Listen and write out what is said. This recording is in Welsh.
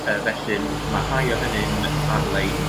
Yy felly m- ma' rhai o hynny'n ar-lein